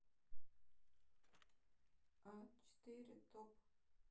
а четыре топ